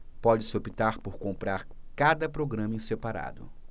pode-se optar por comprar cada programa em separado